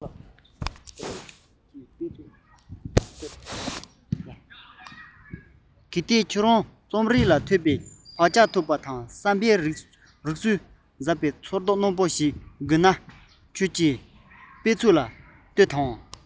གལ ཏེ ཁྱོད རང རྩོམ རིག ལ ཐོས པའི བག ཆགས འཐུག པ དང བསམ པའི རིག ཚུལ ཟབ པའི ཚོར རྟོག རྣོན པོ ཞིག དགོས ན ཁྱོད ཀྱི གོམ པའི རྡོག སྣེ གཙུག ལག གཏེར དུ འཁྱིལ པའི དཔེ མཛོད ལ གཏོད དང